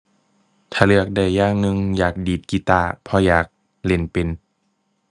ถ้าเลือกได้อย่างหนึ่งอยากดีดกีตาร์ เพราะอยากเล่นเป็น